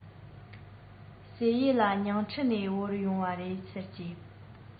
ཟེར ཡས ལ ཉིང ཁྲི ནས དབོར ཡོང བ རེད ཟེར གྱིས